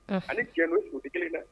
Ani tiɲɛ o sutigi kelen na